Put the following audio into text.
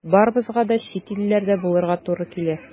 Барыбызга да чит илләрдә булырга туры килә.